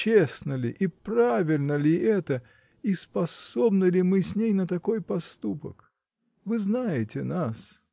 Честно ли и правильно ли это и способны ли мы с ней на такой поступок? Вы знаете нас.